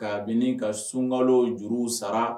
Kabini ka sunkalo juru sara